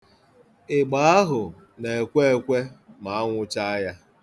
Ịgba ahụ na-ekwe ekwe ma anwụ chaa ya.